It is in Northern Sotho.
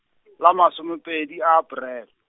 la masome pedi a Aparele.